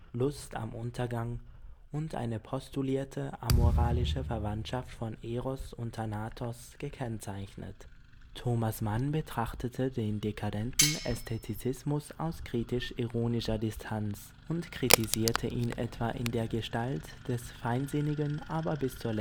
Lust am Untergang und eine postulierte, amoralische Verwandtschaft von Eros und Thanatos gekennzeichnet. Thomas Mann betrachtete den „ dekadenten “Ästhetizismus aus kritisch-ironischer Distanz und charakterisierte ihn etwa in der Gestalt des feinsinnigen, aber bis zur Lächerlichkeit